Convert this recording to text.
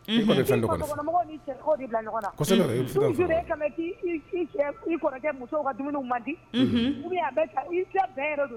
Unhun i kɔni ye fɛn dɔ kɔni fɔ k'i fasokɔnɔmɔgɔw n'i cɛ sogo d'i bila ɲɔgɔn na kosɛbɛrɛ unhun toujours e kaan be k'i i i cɛ m i kɔrɔkɛ musow ka dumuniw mandi unhun ou bien a be tan i tɛ fɛ yɛrɛ don